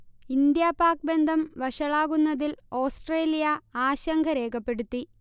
India Pak ബന്ധം വഷളാകുന്നതിൽ Australia ആശങ്ക രേഖപ്പെടുത്തി